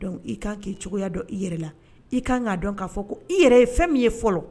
Donc i k kan k'i cogoya dɔn i yɛrɛ la, i kan k'a dɔn k'a fɔ ko i yɛrɛ ye fɛn min ye fɔlɔ